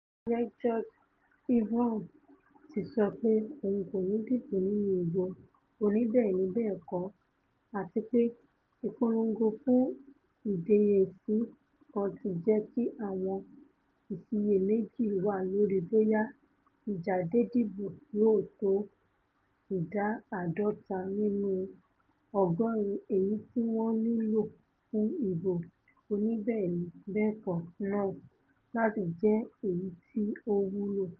Ààrẹ Gjorge Ivanov ti sọ pé òun kòní dìbò nínú ìbò oníbẹ́ẹ̀ni-bẹ́ẹ̀kọ́ àtipé ìpolongo fún ìdẹ́yẹsí kan ti jẹ́kí àwọn ìṣiyèméjì wà lórí bóyá ìjádedìbò yóò tó ìdá àádọ́ta nínu ọgọ́ọ̀rún èyití wọ́n nílò fún ìbò oníbẹ́ẹ̀ni-bẹ́ẹ̀kọ́ náà láti jẹ́ èyití ó wúlò.